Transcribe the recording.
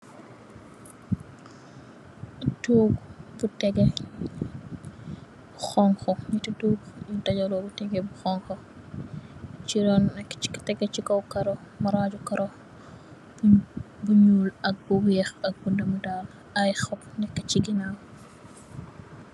Tohgu bu tehgeh, honhu njehti tohgu yu daajahlor yu tehgeh bu honhu, chi ron nak tehgeh chi kaw kaaroh, maaraju kaaroh bun bu njull ak bu wekh, ak bu dormu taal, aiiy hohbb neka chi ginaw.